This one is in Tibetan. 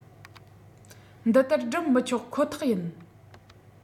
འདི ལྟར སྒྲུབ མི ཆོག ཁོ ཐག ཡིན